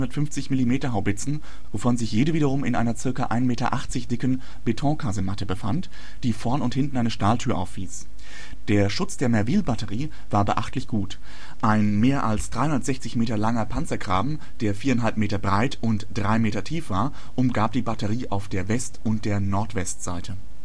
150-mm-Haubitzen, wovon sich jede wiederum in einer ca. 1,80 m dicken Betonkasematte befand, die vorn und hinten eine Stahltür aufwies. Der Schutz der Merville-Batterie war beachtlich gut. Ein mehr als 360 Meter langer Panzergraben der 4,5 Meter breit und drei Meter tief war, umgab die Batterie auf der West - und Nordwestseite. Zusätzlich